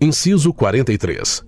inciso quarenta e três